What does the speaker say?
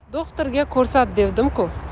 do'xtirga ko'rsat devdim ku